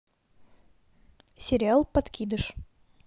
сериал подкидыш